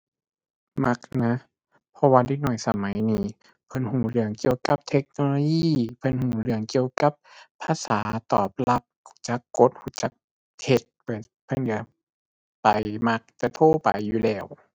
มักนะ เพราะว่าเด็กน้อยสมัยนี้เพิ่นรู้เรื่องเกี่ยวกับเทคโนโลยี เพิ่นรู้เรื่องเกี่ยวกับภาษา ตอบรับ รู้จักกด รู้จักเฮ็ด เพิ่นรู้ไป มักแต่โทรไปอยู่แล้ว